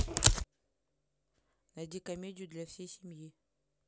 найди комедию для всей семьи